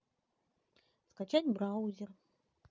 скачать браузер